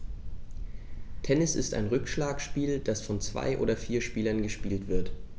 Tennis ist ein Rückschlagspiel, das von zwei oder vier Spielern gespielt wird.